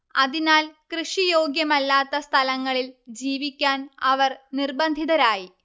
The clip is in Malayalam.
അതിനാൽ കൃഷി യോഗ്യമല്ലാത്ത സ്ഥലങ്ങളിൽ ജീവിക്കാൻ അവർ നിർബന്ധിതരായി